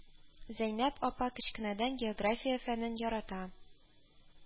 Зәйнәп апа кечкенәдән география фәнен ярата